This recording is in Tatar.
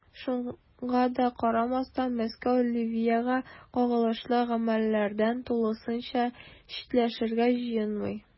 Шуңа да карамастан, Мәскәү Ливиягә кагылышлы гамәлләрдән тулысынча читләшергә җыенмый.